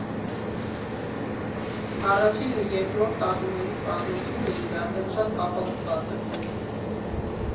Առաջին ու երկրորդ տատուներիս պատմությունն իրար հետ շատ կապակցված է։